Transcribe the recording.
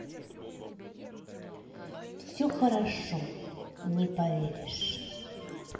все хорошо не поверишь